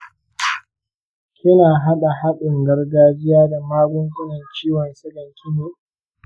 kina haɗa haɗin gargajiya da magungunan ciwon siganki ne?